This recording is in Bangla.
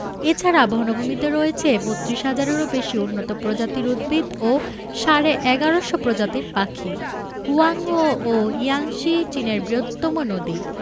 এছাড়া বনভূমিতে রয়েছে ৩২ হাজারেরও বেশি উন্নত প্রজাতির উদ্ভিত ও সাড়ে ১১শ প্রজাতির পাখি হোয়াংহো ও ইয়াংসি চীনের বৃহত্তম নদী